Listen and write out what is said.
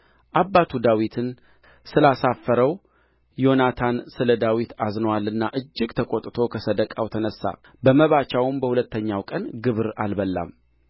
አባቱ ዳዊትን ስላሳፈረው ዮናታን ስለ ዳዊት አዝኖአልና እጅግ ተቈጥቶ ከሰደቃው ተነሣ በመባቻውም በሁለተኛ ቀን ግብር አልበላም